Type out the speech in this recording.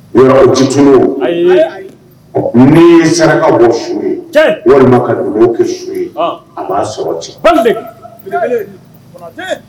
N jit n ye sarakakaw bɔ su ye walima ka dugu kɛ su ye a b'a sɔrɔ ci